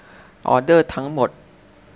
ออเดอร์ทั้งหมด